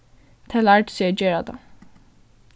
tey lærdu seg at gera tað